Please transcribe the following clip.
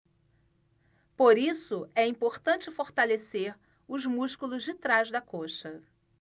por isso é importante fortalecer os músculos de trás da coxa